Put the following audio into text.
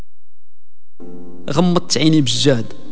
غمضت عيني بزاد